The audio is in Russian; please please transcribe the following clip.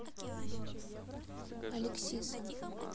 алексиса анальное порно раком